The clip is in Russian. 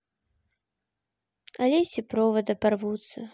олеси провода порвутся